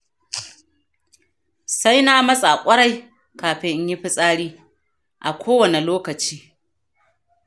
sai na matsa ƙwarai kafin in yi fitsari a kowane lokaci.